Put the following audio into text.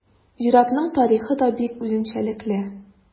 Зиратның тарихы да бик үзенчәлекле.